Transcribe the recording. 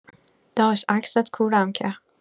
داش عکست کورم کرد